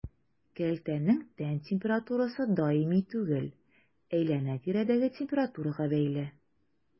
Кәлтәнең тән температурасы даими түгел, әйләнә-тирәдәге температурага бәйле.